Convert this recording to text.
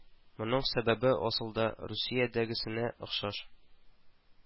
Моның сәбәбе асылда Русиядәгесенә охшаш